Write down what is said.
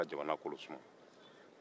ala ka jamana kolo suma